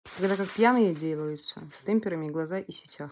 когда как пьяные делаются темперами глаза и сетях